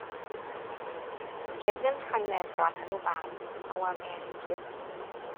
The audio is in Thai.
เก็บเงินครั้งแรกตอนอนุบาลเพราะว่าแม่ให้เก็บ